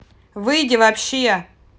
выйди вообще